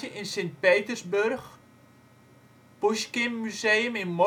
in Sint-Petersburg Poesjkinmuseum